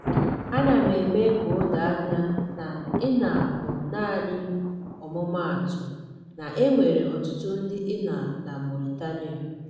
Ana m eme ka o doo anya na Inal bụ naanị ọmụmaatụ; na e nwere ọtụtụ ndị Inal na Mauritania.